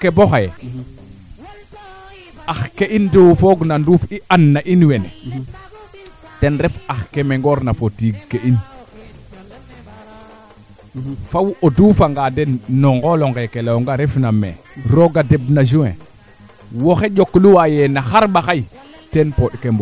maac kaa maado ngooxel meen to bo xaye ka mbaaxa mene sax o xota nga Mokana lena ina lene Mokane ka maado nduufa maac to kaa faaxa ɓasi aussi neen bas fee koy a jega varieté teno a jega bas faa ando naye o duufa ngaan fo pooɗ ke foora ndoora